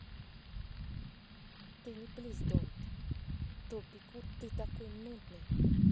ты не please don't то пекут ты такой нудный